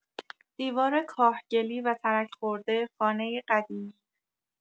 دیوار کاهگلی و ترک‌خورده خانه قدیمی